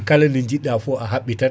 kala nde jidɗa foof a habɓitate